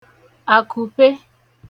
àkùpe